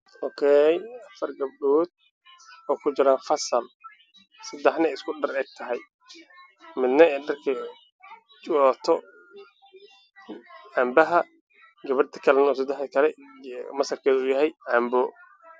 Waa iskuul xaafadiya gabdho waxa ay wataan dhar bilood iyo jaalle ah cashar ay qorayaan